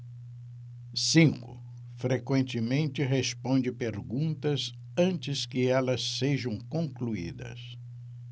cinco frequentemente responde perguntas antes que elas sejam concluídas